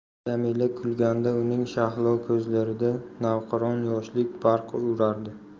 jamila kulganda uning shahlo ko'zlarida navqiron yoshlik barq urardi